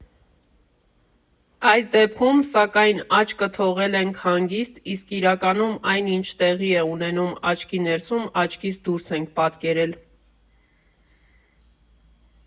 Այս դեպքում, սակայն, աչքը թողել ենք հանգիստ, իսկ իրականում, այն ինչ տեղի է ունենում աչքի ներսում, աչքից դուրս ենք պատկերել։